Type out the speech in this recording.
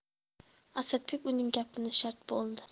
asadbek uning gapini shart bo'ldi